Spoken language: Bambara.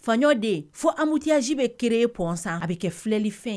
Faɲɔo de fɔ amimutiyasi bɛ keere pɔ san a bɛ kɛ filɛli fɛ